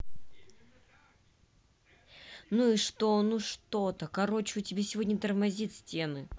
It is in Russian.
ну и что ну что то короче у тебя сегодня тормозит стены